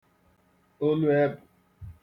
olu ebụ̀